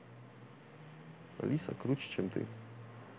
alisa круче чем ты